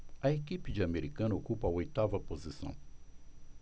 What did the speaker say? a equipe de americana ocupa a oitava posição